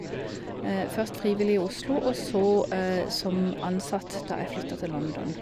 Først frivillig i Oslo, og så som ansatt da jeg flytta til London.